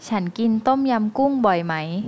ฉันกินต้มยำกุ้งบ่อยไหม